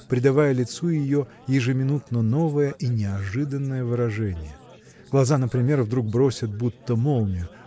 придавая лицу ее ежеминутно новое и неожиданное выражение. Глаза например вдруг бросят будто молнию